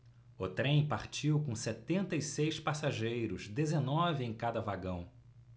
o trem partiu com setenta e seis passageiros dezenove em cada vagão